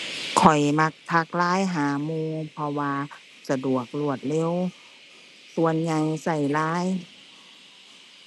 ข้อยมักทัก LINE หาหมู่ เพราะว่าสะดวกรวดเร็ว ส่วนใหญ่ใช้ LINE